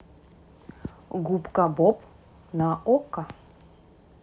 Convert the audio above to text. губка боб на окко